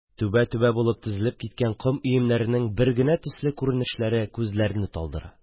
Түбә-түбә булып тезелеп киткән ком өемнәренең бер генә төсле күренешләре күзләрне талдыра.